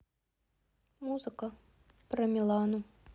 музыка про милану